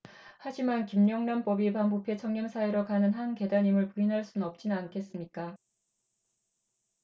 하지만 김영란법이 반부패 청렴 사회로 가는 한 계단임을 부인할 수 없지 않겠습니까